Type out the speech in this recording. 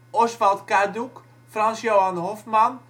Oswald Kaduk, Franz-Johann Hofmann